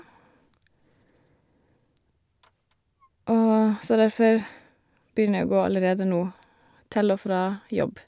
og Så derfor begynner jeg å gå allerede nå, til og fra jobb.